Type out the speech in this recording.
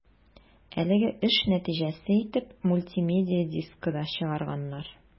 Әлеге эш нәтиҗәсе итеп мультимедия дискы да чыгарганнар.